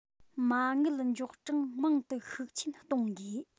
མ དངུལ འཇོག གྲངས མང དུ ཤུགས ཆེན གཏོང དགོས